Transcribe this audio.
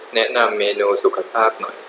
แนะนำเมนูสุขภาพหน่อย